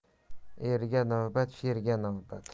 erga navbat sherga navbat